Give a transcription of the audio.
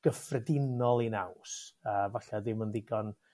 gyffredinol 'i naws a falle ddim yn ddigon